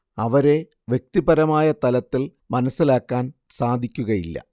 അവരെ വ്യക്തിപരമായ തലത്തിൽ മനസ്സിലാക്കാൻ സാധിക്കുകയില്ല